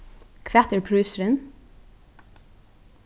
hvat er prísurin